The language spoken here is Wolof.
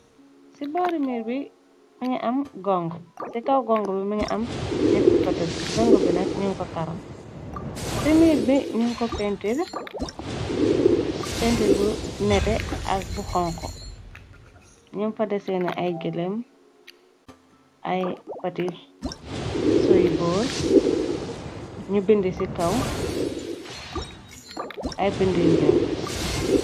Ci bori mirr bi mungi am gongu ci kaw gongu bi minga am nit ku fatardi gongo bi nak ñun ko karo ci miir bi ñu ko pentir bu nete ak bu xonko ñum fada seen ay gélem ay pati soyu bor ñu bind ay bindiy weex.